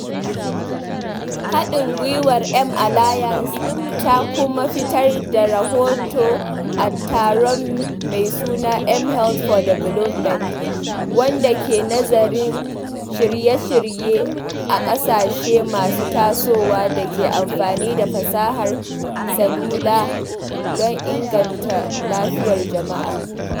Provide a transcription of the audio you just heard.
Haɗin gwiwar mHealth Alliance ta kuma fitar da rahoto a taron mai suna mHealth for Development, wanda ke nazarin shirye-shirye a ƙasashe masu tasowa da ke amfani da fasahar salula don inganta lafiyar jama’a.